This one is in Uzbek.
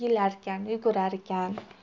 yelarkan yugurarkan